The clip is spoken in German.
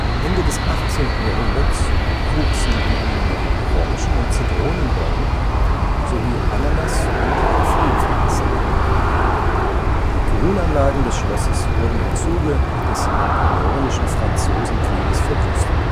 Ende des 18. Jahrhunderts wuchsen in ihnen noch Orangen - und Zitronenbäume sowie Ananas und Kaffeepflanzen. Die Grünanlagen des Schlosses wurden im Zuge des Napoleonischen Franzosenkrieges verwüstet